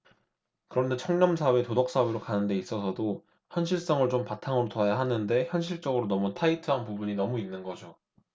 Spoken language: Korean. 그런데 청렴사회 도덕사회로 가는 데 있어서도 현실성을 좀 바탕으로 둬야 하는데 현실적으로 너무 타이트한 부분이 너무 있는 거죠